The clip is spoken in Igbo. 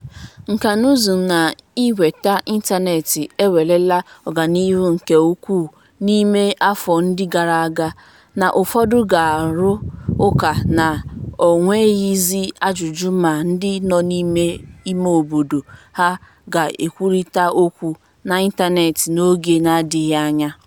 Nkànaụzụ na ịnweta ịntaneetị enweela ọganihu nke ukwuu n'ime afọ ndị gara aga, na ụfọdụ ga-arụ ụka na o nweghịzi ajụjụ ma ndị nọ n'ime imeobodo hà ga-ekwurịta okwu n'ịntanetị n'oge n'adịghị anya.